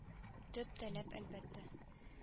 Төп талап әлбәттә